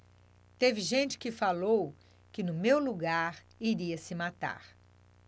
teve gente que falou que no meu lugar iria se matar